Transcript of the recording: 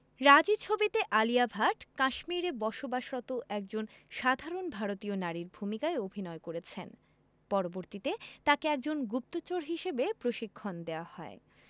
রাজী ছবিতে আলিয়া ভাট কাশ্মীরে বসবাসরত একজন সাধারন ভারতীয় নারীর ভূমিকায় অভিনয় করেছেন পরবর্তীতে তাকে একজন গুপ্তচর হিসেবে প্রশিক্ষণ দেওয়া হয়